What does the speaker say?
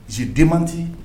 Zi den man tɛ